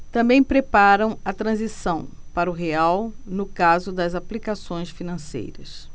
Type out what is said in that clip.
também preparam a transição para o real no caso das aplicações financeiras